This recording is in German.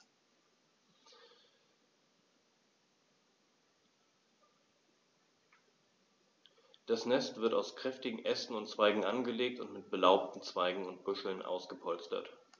Das Nest wird aus kräftigen Ästen und Zweigen angelegt und mit belaubten Zweigen und Büscheln ausgepolstert.